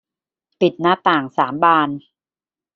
ปิดหน้าต่างสามบาน